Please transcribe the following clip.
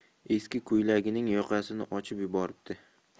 eski ko'ylagining yoqasini ochib yuboribdi